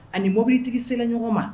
Ani ni mobili tigi selen ɲɔgɔn ma